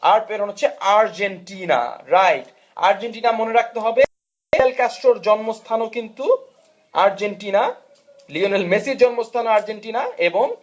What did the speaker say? আর প্রেরণ হচ্ছেন Argentina right Argentina মনে রাখতে হবে ফিদেল ক্যাস্ট্রোর জন্মস্থান ও কিন্তু আর্জেন্টিনার লিওনেল মেসির জন্মস্থান আর্জেন্টিনা এবং